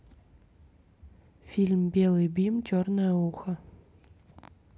фильм белый бим черное ухо